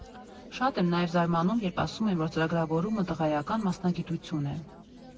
«Շատ եմ նաև զարմանում, երբ ասում են, որ ծրագրավորումը «տղայական» մասնագիտություն է։